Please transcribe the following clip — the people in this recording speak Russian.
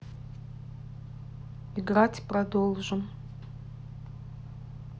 играть продолжим